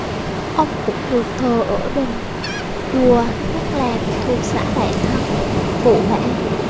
ông cũng được thờ ở đình chùa các làng thuộc xã đại thắng vụ bản